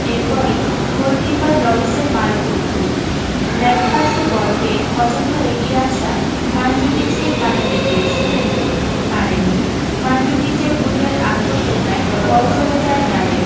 এরপরই গোলকিপার লরিসের মারাত্মক ভুল ব্যাকপাসে বল পেয়ে অযথা এগিয়ে আসা মানজুকিচকে কাটাতে চেয়েছিলেন পারেননি মানজুকিচের বুটের আলতো টোকায় বল চলে যায় জালে